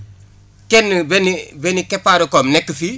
kenn benn benn keppaari koom nekk fii